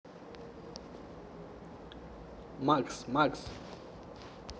max max